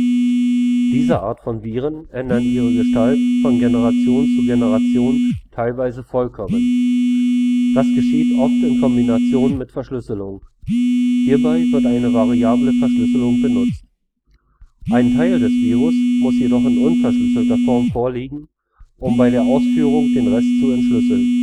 Diese Art von Viren ändern ihre Gestalt von Generation zu Generation, teilweise vollkommen. Das geschieht oft in Kombination mit Verschlüsselung – hierbei wird eine variable Verschlüsselung benutzt. Ein Teil des Virus muss jedoch in unverschlüsselter Form vorliegen, um bei der Ausführung den Rest zu entschlüsseln